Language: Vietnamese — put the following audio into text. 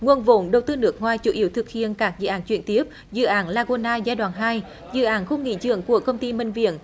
nguồn vốn đầu tư nước ngoài chủ yếu thực hiện các dự án chuyển tiếp dự án la gô nai giai đoạn hai dự án khu nghỉ dưỡng của công ty minh viễn